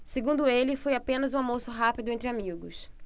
segundo ele foi apenas um almoço rápido entre amigos